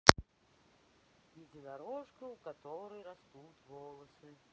единорожка у которой растут волосы